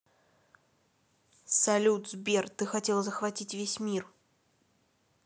салют сбер ты хотела захватить весь мир